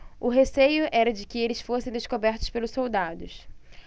o receio era de que eles fossem descobertos pelos soldados